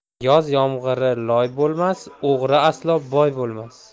yoz yomg'iri loy bo'lmas o'g'ri aslo boy bo'lmas